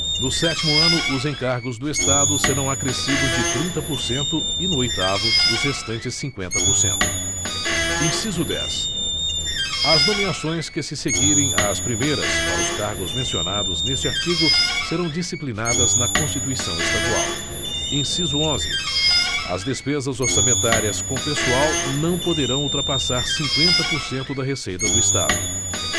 no sétimo ano os encargos do estado serão acrescidos de trinta por cento e no oitavo dos restantes cinqüenta por cento inciso dez as nomeações que se seguirem às primeiras para os cargos mencionados neste artigo serão disciplinadas na constituição estadual inciso onze as despesas orçamentárias com pessoal não poderão ultrapassar cinqüenta por cento da receita do estado